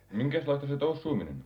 minkäslaista se toussuaminen on